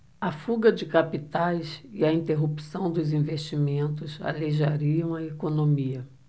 a fuga de capitais e a interrupção dos investimentos aleijariam a economia